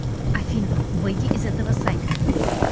афина выйди из этого сайта